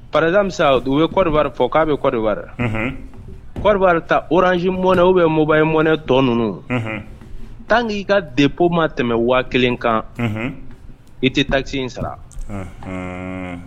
Pamisa u bɛɔribara fɔ k'a bɛ kɔrɔɔribaraɔribara ta oransi mɔnɛ u bɛ moba in mɔnɛ tɔ ninnu tan k'i ka di pma tɛmɛ waa kelen kan i tɛ taki in sara